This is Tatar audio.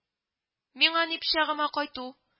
- миңа ни пычагыма кайту